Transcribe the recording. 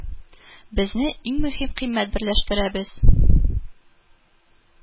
Безне иң мөһим кыйммәт берләштерә без